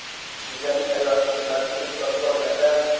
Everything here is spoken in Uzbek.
kundalik hayotni bilmasligini hisobga olganda